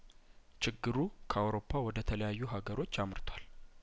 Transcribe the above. ችግሩ ከአውሮፓ ወደ ተለያዩ ሀገሮች አምርቷል